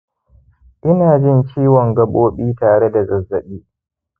ina jin ciwon gabobi tare da zazzaɓi